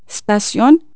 سطاسيون